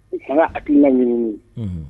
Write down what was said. Fanga hakilina ɲinini. Unhun.